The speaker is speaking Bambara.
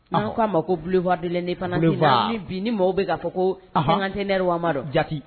N'aw k'a ma ko boulevard de l'indépendance, boulevard ni bi ni maaw bɛ k'a fɔ ko cinquantenaire wa n m'a dɔn, jaati